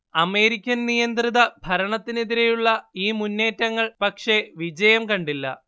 അമേരിക്കൻനിയന്ത്രിത ഭരണത്തിനെതിരെയുള്ള ഈ മുന്നേറ്റങ്ങൾ പക്ഷേ വിജയം കണ്ടില്ല